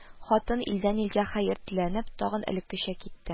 Хатын, илдән-илгә хәер теләнеп, тагын элеккечә китте